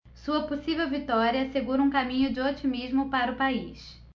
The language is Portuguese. sua possível vitória assegura um caminho de otimismo para o país